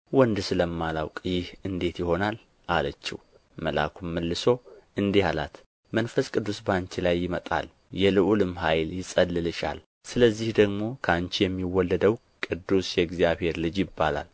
ወንድ ስለማላውቅ ይህ እንዴት ይሆናል አለችው መልአኩም መልሶ እንዲህ አላት መንፈስ ቅዱስ በአንቺ ላይ ይመጣል የልዑልም ኃይል ይጸልልሻል ስለዚህ ደግሞ ከአንቺ የሚወለደው ቅዱስ የእግዚአብሔር ልጅ ይባላል